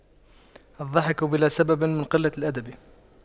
الضحك بلا سبب من قلة الأدب